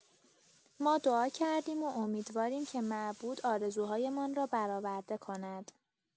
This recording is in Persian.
ما دعا کردیم و امیدواریم که معبود آرزوهای‌مان را برآورده کند.